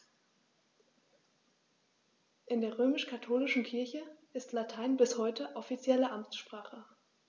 In der römisch-katholischen Kirche ist Latein bis heute offizielle Amtssprache.